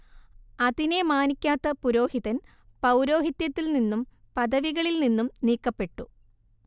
അതിനെ മാനിക്കാത്ത പുരോഹിതൻ പൗരോഹിത്യത്തിൽ നിന്നും പദവികളിൽ നിന്നും നീക്കപ്പെട്ടു